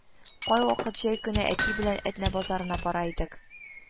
Кайвакыт җәй көне әти белән Әтнә базарына бара идек